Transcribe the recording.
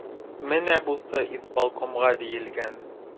Менә бусы исполкомга диелгән.